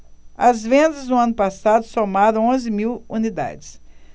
as vendas no ano passado somaram onze mil unidades